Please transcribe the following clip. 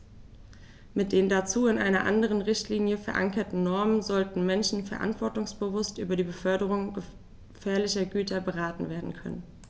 Mit den dazu in einer anderen Richtlinie, verankerten Normen sollten Menschen verantwortungsbewusst über die Beförderung gefährlicher Güter beraten werden können.